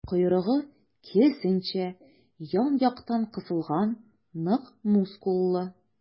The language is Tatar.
Койрыгы, киресенчә, ян-яктан кысылган, нык мускуллы.